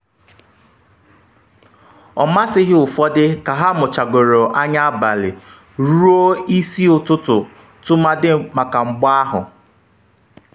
Ọ masịghị ụfọdụ ka ha mụchagoro anya abalị ruo isi ụtụtụ tụmadị maka mgba ahụ.